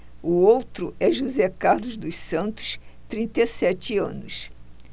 o outro é josé carlos dos santos trinta e sete anos